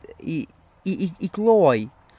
I, i- i- i gloi...